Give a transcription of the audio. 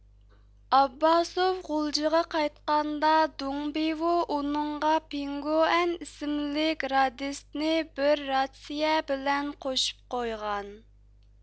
ئابباسوف غۇلجىغا قايتقاندا دۇڭ بىۋۇ ئۇنىڭغا پېڭ گوئەن ئىسىملىك رادىستنى بىر راتسىيە بىلەن قوشۇپ قويغان